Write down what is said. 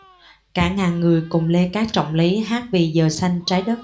cả ngàn người cùng lê cát trọng lý hát vì giờ xanh trái đất